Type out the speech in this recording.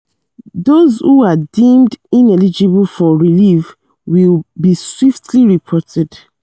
Those who are deemed ineligible for relief will be swiftly deported.